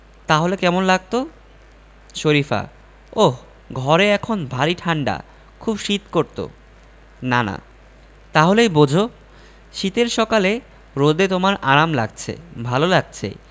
তাহলে কেমন লাগত শরিফা ওহ ঘরে এখন ভারি ঠাণ্ডা খুব শীত করত নানা তা হলেই বোঝ শীতের সকালে রোদে তোমার আরাম লাগছে ভালো লাগছে